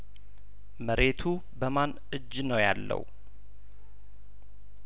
መሬቱ በማን እጅ ነው ያለው